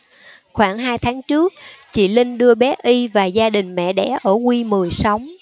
khoảng hai tháng trước chị linh đưa bé y và gia đình mẹ đẻ ở q mười sống